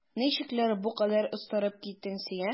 Ничекләр бу кадәр остарып киттең син, ә?